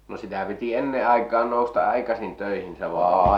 no sitä piti ennen aikaan nousta aikaisin töihin savotassa